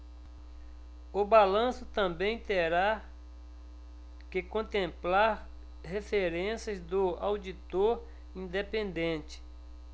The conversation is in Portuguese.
o balanço também terá que contemplar referências do auditor independente